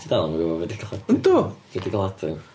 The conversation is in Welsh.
Ti dal ddim yn gwbod be 'di cladding... Yndw!... Be 'di cladding?